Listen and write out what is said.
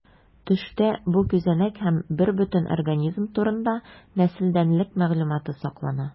Төштә бу күзәнәк һәм бербөтен организм турында нәселдәнлек мәгълүматы саклана.